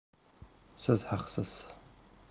siz haqsiz